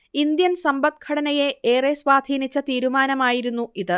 Indian സമ്പദ്ഘടനയെ ഏറെ സ്വാധീനിച്ച തീരുമാനമായിരുന്നു ഇത്